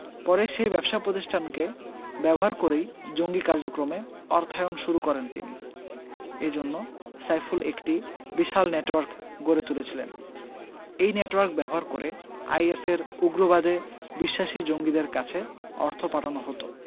পরে সেই ব্যবসা প্রতিষ্ঠানকে ব্যবহার করেই জঙ্গি কার্যক্রমে অর্থায়ন শুরু করেন তিনি এ জন্য সাইফুল একটি বিশাল নেটওয়ার্ক গড়ে তুলেছিলেন এই নেটওয়ার্ক ব্যবহার করে আইএসের উগ্রবাদে বিশ্বাসী জঙ্গিদের কাছে অর্থ পাঠানো হতো